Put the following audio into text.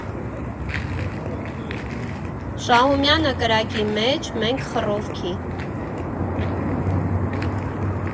Շահումյանը՝ կրակի մեջ, մենք՝ խռովքի։